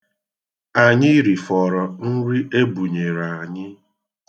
Anyị rifọrọ nri e bunyere anyị